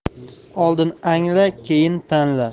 oldin angla keyin tanla